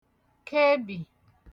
kebì